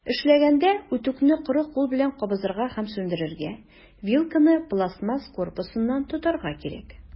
Эшләгәндә, үтүкне коры кул белән кабызырга һәм сүндерергә, вилканы пластмасс корпусыннан тотарга кирәк.